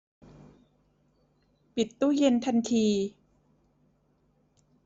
ปิดตู้เย็นทันที